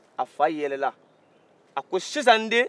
a fa yɛlɛ la a ko sisan n den